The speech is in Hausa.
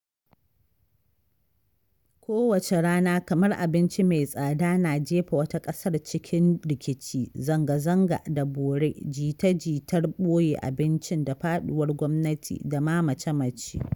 Kowace rana kamar abinci mai tsada na jefa wata ƙasar cikin rikici: zangazanga da bore ji-ta-ji-tar ɓoye abinci da faɗuwar gwamnati da ma mace-mace.